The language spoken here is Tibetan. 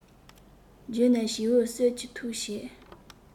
བརྒྱུགས ནས བྱིའུ གསོད ཅི ཐུབ བྱེད